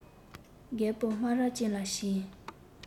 རྒད པོ སྨ ར ཅན ལ བྱིན